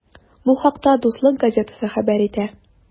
Бу хакта “Дуслык” газетасы хәбәр итә.